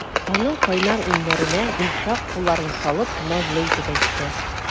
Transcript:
Аның кайнар иңнәренә йомшак кулларын салып, назлы итеп әйтте.